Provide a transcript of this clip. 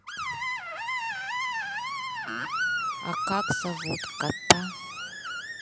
а как зовут кота